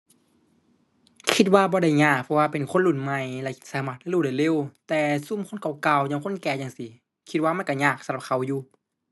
คิดว่าบ่ได้ยากเพราะว่าเป็นคนรุ่นใหม่ แล้วสามารถเรียนรู้ได้เร็ว แต่ซุมคนเก่าเก่า อย่างคนแก่จั่งซี้ คิดว่ามันก็ยากสำหรับเขาอยู่